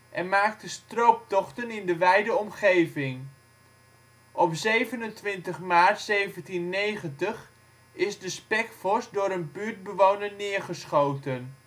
en maakte strooptochten in de wijde omgeving. Op 27 maart 1790 is de Spekvos door een buurtbewoner neergeschoten